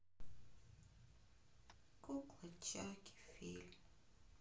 кукла чаки фильм